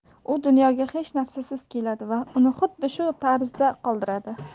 u dunyoga hech narsasiz keladi va uni xuddi shu tarzda qoldiradi